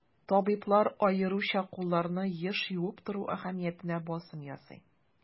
Табиблар аеруча кулларны еш юып тору әһәмиятенә басым ясый.